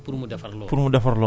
mën nga yàqal boroom oto